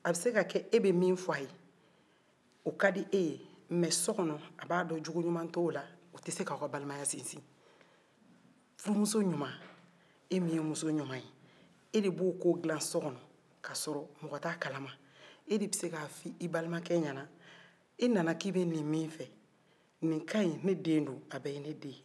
a bɛ se ka kɛ e bɛ min fɔ a ye o ka di e ye o ka di mɛ so kɔnɔ a b'a dɔn jogo ɲuma t'ola o tɛ se k'a ka balimaya sinsin furumuso ɲuma e min ye muso ɲuma ye e de bɛ o ko dilan so kɔnɔ k'a sɔrɔ mɔgɔ t'a kalaman e de bɛ se k'a fɔ i balimakɛ yɛna e nana k'i bɛ nin min fɛ nin kaɲi ne den do a bɛɛ ye ne den ye